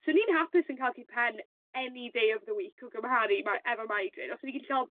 Swn i'n hapus yn ca'l cur pen any day of the week o gymharu mai efo migraine os o'n i gallu ca'l